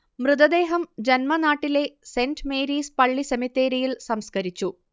മൃതദേഹം ജന്മനാട്ടിലെ saint Mary's പള്ളി സെമിത്തേരിയിൽ സംസ്കരിച്ചു